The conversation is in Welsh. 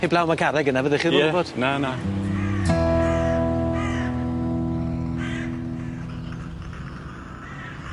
Heblaw am y carreg yna fyddech chi 'im yn gwbod? Ie na na.